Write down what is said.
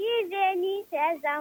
Ji den ni sonsan